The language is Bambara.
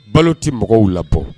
Balo tɛ mɔgɔw labɔ